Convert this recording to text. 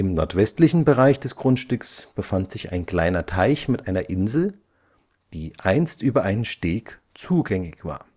nordwestlichen Bereich des Grundstücks befand sich ein kleiner Teich mit einer Insel, die einst über einen Steg zugängig war